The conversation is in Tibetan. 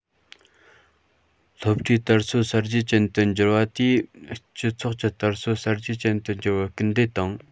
སློབ གྲྭའི དར སྲོལ གསར བརྗེ ཅན དུ གྱུར པ དེས སྤྱི ཚོགས ཀྱི དར སྲོལ གསར བརྗེ ཅན དུ འགྱུར བར སྐུལ འདེད བཏང